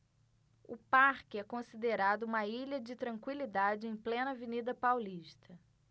o parque é considerado uma ilha de tranquilidade em plena avenida paulista